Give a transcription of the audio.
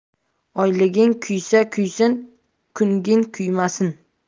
oyliging kuysa kuysin kunkging kuymasin